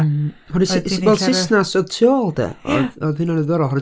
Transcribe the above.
Mm, oherwydd s- s- wel, saesnes oedd tu ôl, de. Oedd, oedd, hynna'n ddiddorol oherwydd